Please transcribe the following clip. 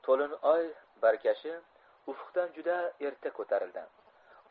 to'lin oy barkashi ufqdan juda erta ko'tarildi